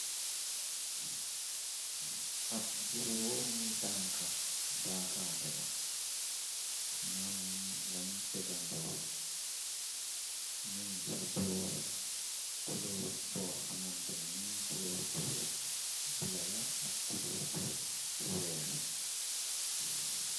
Ap juróomi danka daaxaande la, ñoom lañ tegandorr. Ñu ngi ci boor kuloor bo xamante ni kuloor bu bulo la ak kulóor bu weex.